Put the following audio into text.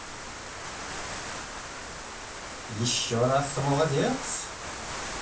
еще раз молодец